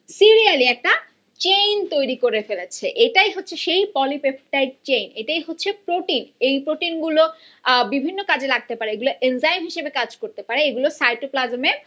সিরিয়ালই একটা চেইন তৈরি করে ফেলেছে এটাই হচ্ছে সেই পলিপেপটাইড চেইন এটাই হচ্ছে প্রোটিন এই প্রোটিনগুলো বিভিন্ন কাজে লাগতে পারে এগুলো এনজাইম হিসেবে কাজ করতে পারে এগুলো সাইটোপ্লাজমে